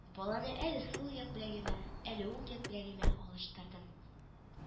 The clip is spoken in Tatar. Баланы әле сул як беләгемә, әле уң як беләгемә алыштырдым